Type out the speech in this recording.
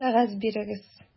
Кәгазь бирегез!